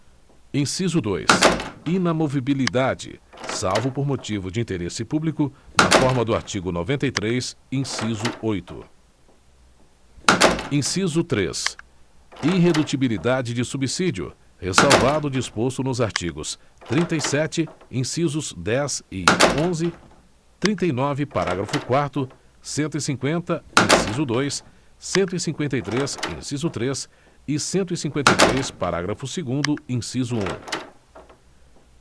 inciso dois inamovibilidade salvo por motivo de interesse público na forma do artigo noventa e três inciso oito inciso três irredutibilidade de subsídio ressalvado o disposto nos artigos trinta e sete incisos dez e onze trinta e nove parágrafo quarto cento e cinquenta inciso dois cento e cinquenta e três inciso três e cento e cinquenta e três parágrafo segundo inciso um